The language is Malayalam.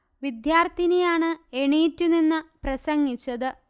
വിദ്യാർത്ഥിനിയാണ് എണീറ്റുനിന്ന്പ്രസംഗിച്ചത്